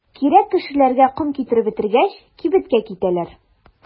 Кирәк кешеләргә ком китереп бетергәч, кибеткә китәләр.